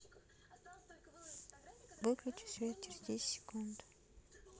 выключи свет через десять секунд